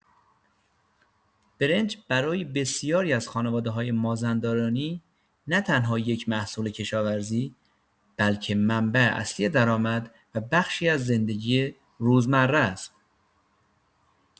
برنج برای بسیاری از خانواده‌های مازندرانی نه‌تنها یک محصول کشاورزی، بلکه منبع اصلی درآمد و بخشی از زندگی روزمره است.